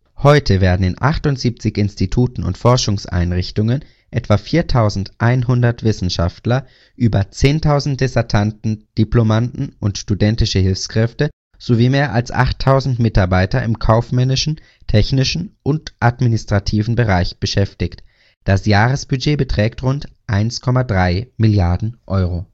Heute werden in 78 Instituten und Forschungseinrichtungen etwa 4.100 Wissenschaftler, über 10.000 Dissertanten, Diplomanden und studentische Hilfskräfte sowie mehr als 8.000 Mitarbeiter im kaufmännischen, technischen und administrativen Bereich beschäftigt. Das Jahresbudget beträgt rund 1,3 Milliarden Euro